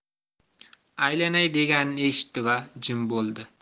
aylanay deganini eshitdi va jim bo'ldi